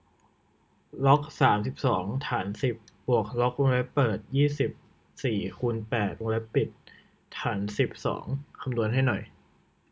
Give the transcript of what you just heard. ล็อกสามสิบสองฐานสิบบวกล็อกวงเล็บเปิดยี่สิบสี่คูณแปดวงเล็บปิดฐานสิบสองคำนวณให้หน่อย